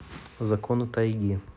законы тайги